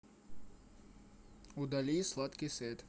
удали сладкий сет